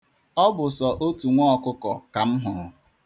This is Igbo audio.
Ọ bụ sọ otu nwa ọkụkọ ka m hụrụ.